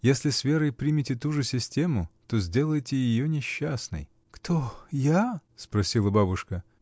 Если с Верой примете ту же систему, то сделаете ее несчастной! — Кто, я? — спросила бабушка.